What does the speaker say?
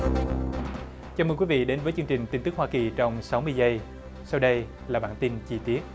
chào chào mừng quý vị đến với chương trình tin tức hoa kỳ trong sáu mươi giây sau đây là bản tin chi tiết